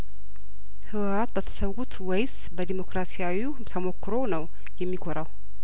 ህወሀት በተሰዉት ወይስ በዲሞክራሲያዊው ተሞክሮው ነው የሚኮራው